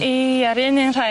Ie 'r un un rhai.